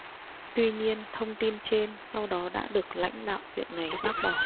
tuy nhiên thông tin trên sau đó đã được lãnh đạo huyện này bác bỏ